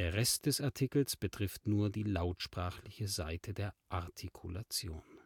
Rest des Artikels betrifft nur die lautsprachliche Seite der Artikulation